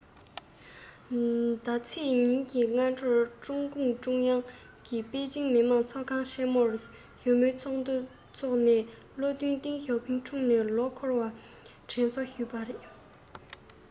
ཟླ ཚེས ཉིན གྱི སྔ དྲོར ཀྲུང གུང ཀྲུང དབྱང གིས པེ ཅིང མི དམངས ཚོགས ཁང ཆེ མོར བཞུགས མོལ ཚོགས འདུ འཚོགས ནས བློ མཐུན ཏེང ཞའོ ཕིང འཁྲུངས ནས ལོ འཁོར བར དྲན གསོ ཞུས པ རེད